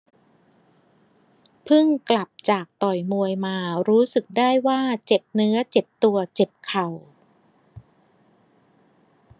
พึ่งกลับจากต่อยมวยมารู้สึกได้ว่าเจ็บเนื้อเจ็บตัวเจ็บเข่า